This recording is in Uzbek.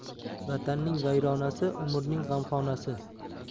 vatanning vayronasi umrning g'amxonasi